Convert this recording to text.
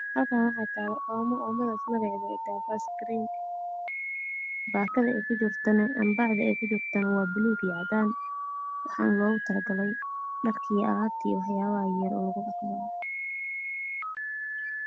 Halkaan waxa taalo oomo oomadaas magaceeda ay tahay faas clean baakada ay ku jirtana ama bacda ay ku jirtana waa buluug iyo caddaan waxaana loogu tala galay dharka iyo alaabta iyo waxyaabaha yar yar oo lagu dhaqdo